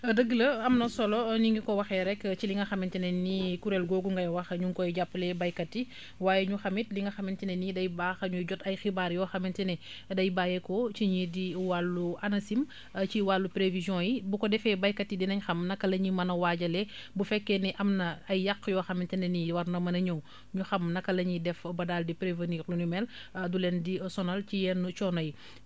dëgg la am na solo ni nga ko waxee rekk ci li nga xamante ne ni kuréel googu ngay wax ñu ngi koy jàppalee baykat yi waaye ñu xam it li nga xamante ne ni day baax ñuy jot ay xibaar yoo xamante ne day bàyyikoo ci ñii di wàllu ANACIM ci wàllu prévisions yi bu ko defee baykat yi dinañ xam naka la ñuy mën a waajalee bu fekkee ne am na ay yàqu yoo xamante ne ni war na mën a ñëw ñu xam naka la ñuy def ba daal di prévenir lu ni mel du leen di sonal ci yenn coono yi